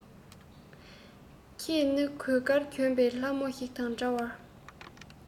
ཁྱེད ནི གོས དཀར གྱོན པའི ལྷ མོ ཞིག དང འདྲ བར